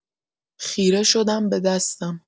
خیره شدم به دستم.